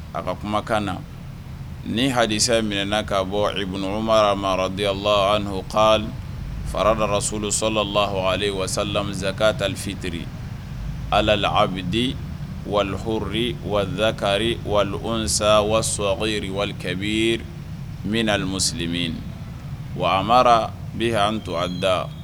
A ka kumakan na ni hadisa minɛ n'a kaa bɔ emamadiya la ano fara darasolonsɔla lah wa misa k ka ta fitiriri ala la abi di wali h walisa kari walisa waso wali kɛ bɛ min alimus min wa a mara bi an to ada